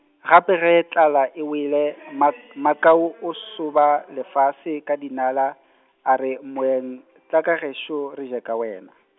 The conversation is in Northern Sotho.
gape ge tlala e wele, mak-, Makau o soba lefase ka dinala, a re moeng tla ka gešo re je ka wena.